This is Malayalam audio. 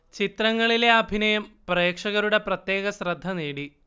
ചിത്രങ്ങളിലെ അഭിനയം പ്രേക്ഷകരുടെ പ്രത്യേക ശ്രദ്ധ നേടി